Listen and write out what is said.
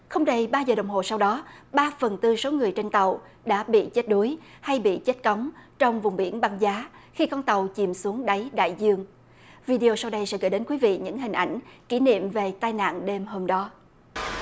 không đầy ba giờ đồng hồ sau đó ba phần tư số người trên tàu đã bị chết đuối hay bị chết cóng trong vùng biển băng giá khi con tàu chìm xuống đáy đại dương vi đi ô sau đây sẽ gửi đến quý vị những hình ảnh kỷ niệm về tai nạn đêm hôm đó